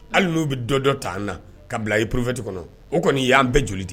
Hali n'u bɛ dɔ dɔ ta an na ka bilahi poropti kɔnɔ o kɔni y'an bɛɛ joli di